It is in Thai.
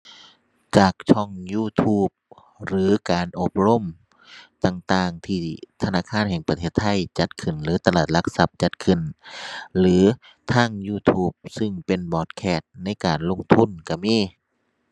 จากช่อง YouTube หรือการอบรมต่างต่างที่ธนาคารแห่งประเทศไทยจัดขึ้นหรือตลาดหลักทรัพย์จัดขึ้น หรือทาง YouTube ซึ่งเป็นบรอดคาสต์ในการลงทุนก็มี